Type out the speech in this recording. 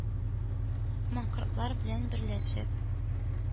Маңкортлар белән берләшеп,